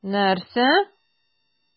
Нәрсә?!